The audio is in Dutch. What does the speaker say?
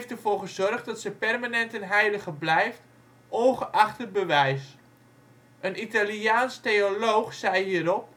ervoor gezorgd dat ze permanent een heilige blijft, ongeacht het bewijs. Een Italiaans theoloog zei hierop